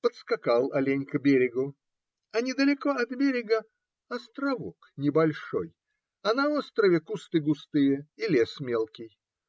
Подскакал олень к берегу, а недалеко от берега островок небольшой, а на острове кусты густые и лес мелкий.